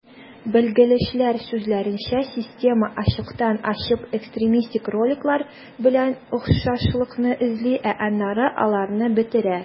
Белгечләр сүзләренчә, система ачыктан-ачык экстремистик роликлар белән охшашлыкны эзли, ә аннары аларны бетерә.